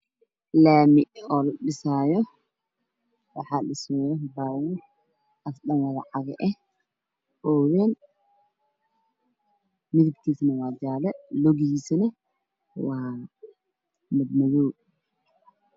Laami oo ladhisaayo waxaa dhisaayo baa buur asaga dhan wada caga eh oo wayn midab kiisuna waa jaale luguhiisana waa mad madow